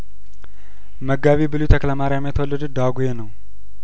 መጋቢ ብሉይ ተክለማሪያም የተወለዱት ዳጔ ነው